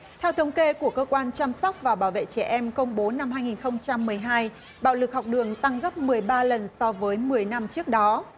theo thống kê của cơ quan chăm sóc và bảo vệ trẻ em công bố năm hai nghìn không trăm mười hai bạo lực học đường tăng gấp mười ba lần so với mười năm trước đó